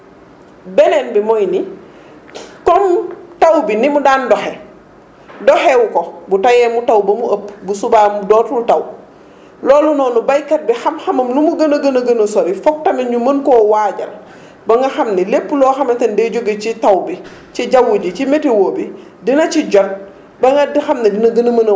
beneen bi mooy ni comme taw bi ni mu daan doxee dooxee wu ko bu teyee mu taw ba mu ëpp bu subaa mu dootul taw loolu noonu béykat bi xam-xamam nu mu gën a gën a gën a sori foog tamit ñu mën koo waajal ba nga xam ni lépp loo xamante ni day jógee ci taw bi ci jaww ji ci météo bi dina ci jot ba nga xam ne dina mën a waajal boppam